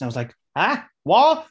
And I was like, eh? What?